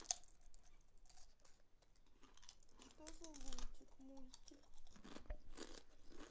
что за лунтик мультик